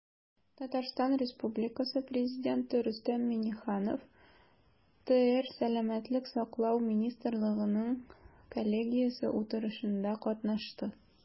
Татарстан Республикасы Президенты Рөстәм Миңнеханов ТР Сәламәтлек саклау министрлыгының коллегиясе утырышында катнашты.